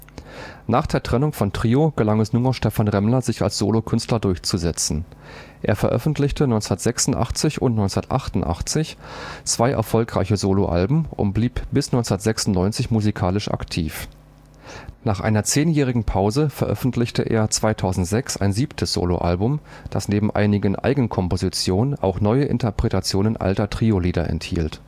Trennung von Trio gelang es nur noch Stephan Remmler, sich als Solokünstler durchzusetzen. Er veröffentlichte 1986 und 1988 zwei erfolgreiche Soloalben und blieb bis 1996 musikalisch aktiv. Nach einer zehnjährigen Pause veröffentlichte er 2006 ein siebtes Soloalbum, das neben einigen Eigenkompositionen auch neue Interpretationen alter Trio-Lieder enthielt